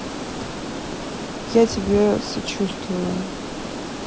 я тебе сочувствую